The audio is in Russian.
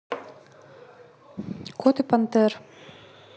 кот и пантер